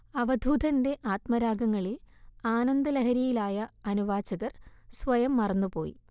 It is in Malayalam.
അവധൂതന്റെ ആത്മരാഗങ്ങളിൽ ആനന്ദലഹരിയിലായ അനുവാചകർ സ്വയം മറന്നുപോയി